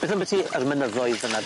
Beth ambyti yr mynyddoedd fyn 'na?